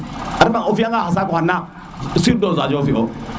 fi a nga xa saaku xa naxaq sur dosage o fiʼo